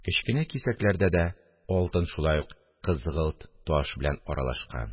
Кечкенә кисәкләрдә дә алтын шулай ук кызгылт таш белән аралашкан